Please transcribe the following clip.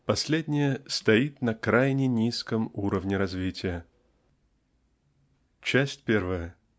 последнее стоит на крайне низком уровне развития. Часть первая.